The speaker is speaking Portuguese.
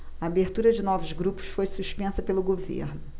a abertura de novos grupos foi suspensa pelo governo